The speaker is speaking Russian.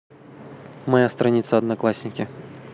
моя страница одноклассники